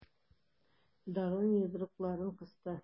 Доронин йодрыкларын кысты.